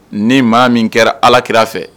Ni maa min kɛra ala kirara fɛ